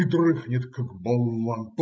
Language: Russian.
И дрыхнет как, болван!